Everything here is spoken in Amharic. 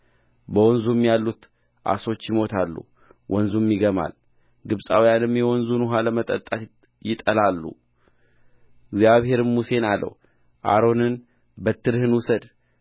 በወንዙም ያሉት ዓሦች ይሞታሉ ወንዙም ይገማል ግብፃውያንም የወንዙን ውኃ ለመጠጣት ይጠላሉ እግዚአብሔርም ሙሴን አለው አሮንን በትርህን ውሰድ